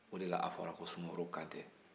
o de la a fɔra ko sumaworo kantɛ